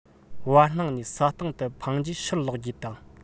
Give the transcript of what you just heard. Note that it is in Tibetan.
བར སྣང ནས ས སྟེང དུ འཕངས རྗེས ཕྱིར ལོག རྒྱུ དང